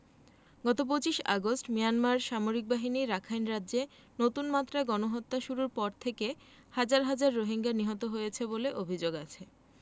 গত ২৫ August Myanmar সামরিক বাহিনী রাখাইন রাজ্যে নতুন মাত্রায় গণহত্যা শুরুর পর থেকে হাজার হাজার রোহিঙ্গা নিহত হয়েছে বলে অভিযোগ আছে